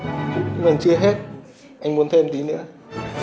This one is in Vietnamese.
vẫn còn chưa hết anh muốn thêm tý nữa